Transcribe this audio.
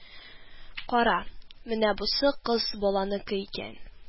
Кара, менә бусы кыз баланыкы икән